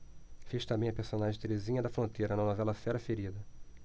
fez também a personagem terezinha da fronteira na novela fera ferida